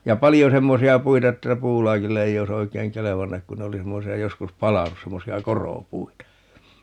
ja paljon semmoisia puita että puulaakille ei olisi oikein kelvannut kun ne oli semmoisia joskus palanut semmoisia koropuita